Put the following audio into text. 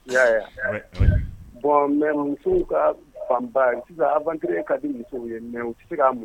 Bɔn mɛ musow ka banba sisan a ban ka di muso ye mɛ u tɛ se k'a mun